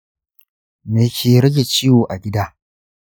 me ke rage ciwo a gida?